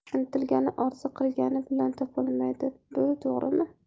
intilgani orzu qilgani bilan topolmaydi ku to'g'rimi